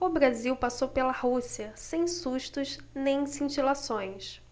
o brasil passou pela rússia sem sustos nem cintilações